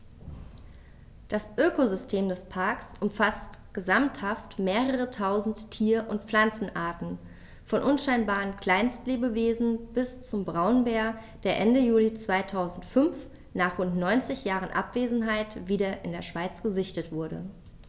Das Ökosystem des Parks umfasst gesamthaft mehrere tausend Tier- und Pflanzenarten, von unscheinbaren Kleinstlebewesen bis zum Braunbär, der Ende Juli 2005, nach rund 90 Jahren Abwesenheit, wieder in der Schweiz gesichtet wurde.